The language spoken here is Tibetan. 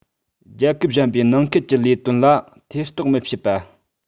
རྒྱལ ཁབ གཞན པའི ནང ཁུལ གྱི ལས དོན ལ ཐེ གཏོགས མི བྱེད པ